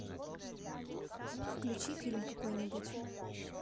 включи фильм какой нибудь